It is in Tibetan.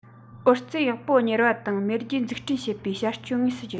ཨོ རྩལ ཡག པོ གཉེར བ དང མེས རྒྱལ འཛུགས སྐུན བྱེད པའི བྱ སྤྱོད དངོས སུ བསྒྱུར